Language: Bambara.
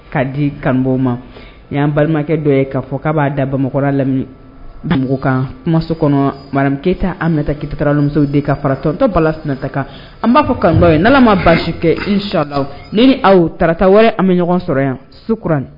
Kaa di kan ma n y'an balimakɛ dɔ ye'a fɔ k' b'a da bamakɔrɔ lam mɔgɔkan kumaso kɔnɔ keyita an bɛ kiptamuso de ka faratɔntɔ balalata kan an b'a fɔ kantɔ ye' ma basi kɛ shyan ni ni aw tata wɛrɛ an bɛ ɲɔgɔn sɔrɔ yan sukurauran